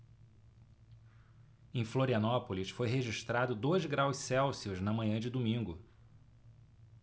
em florianópolis foi registrado dois graus celsius na manhã de domingo